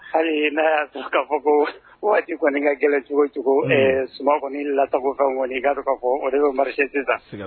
Hali n’a y’a sɔrɔ k’a fɔ ko waati kɔni ka gɛlɛn cogo cogo ɛɛ suman kɔni lasago fɛnw kɔni i k'a dɔn ka fɔ o de bɛ marcher sisan d'accord